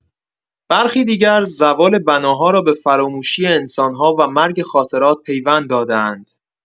برخی دیگر، زوال بناها را به فراموشی انسان‌ها و مرگ خاطرات پیوند داده‌اند.